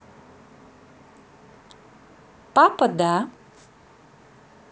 папа да